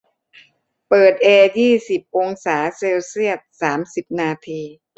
เปิดแอร์ยี่สิบองศาเซลเซียสสามสิบนาที